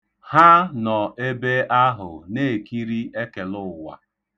Ha nọ ebe ahụ na-ekiri ekelụụwa.